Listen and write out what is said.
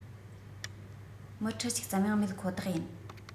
མི ཁྲི གཅིག ཙམ ཡང མེད ཁོ ཐག ཡིན